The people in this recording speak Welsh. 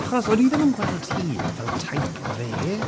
Achos o'n i ddim yn gweld hi fel type fe.